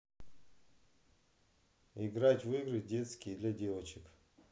играть в игры детские для девочек